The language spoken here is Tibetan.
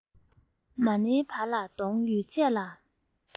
མ ནེའི བར གདོང ཡོད ཚད ལ